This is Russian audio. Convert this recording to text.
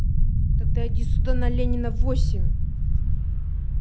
тогда иди сюда на ленина восемь